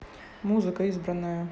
музыка избранная